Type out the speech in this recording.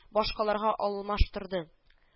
Башкаларга алмаштырды